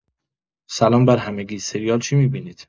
سلام برهمگی سریال چی می‌بینید؟